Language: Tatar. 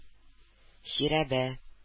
Жирәбә